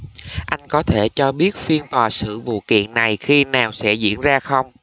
anh có thể cho biết phiên tòa xử vụ kiện này khi nào sẽ diễn ra không